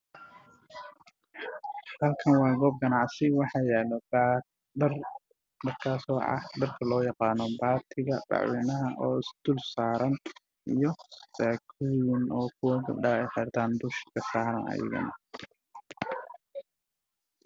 Waa meel carwo ah waxaa yaalla diray hal la iibinayo oo iska faala saaran